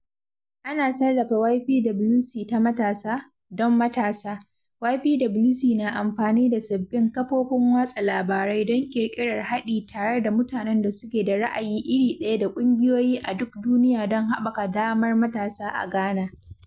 Ana sarrafa YPWC ta matasa, don matasa, YPWC na amfani da sabbin kafofin watsa labarai don ƙirƙirar haɗi tare da mutanen da suke da ra’ayi iri ɗaya da ƙungiyoyi a duk duniya don haɓaka damar matasa a Ghana.